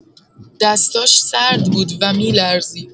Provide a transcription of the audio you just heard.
دستاش سرد بود و می‌لرزید.